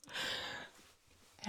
Ja.